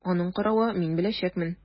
Аның каравы, мин беләчәкмен!